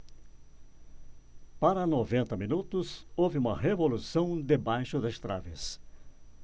para noventa minutos houve uma revolução debaixo das traves